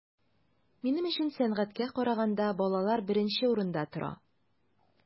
Минем өчен сәнгатькә караганда балалар беренче урында тора.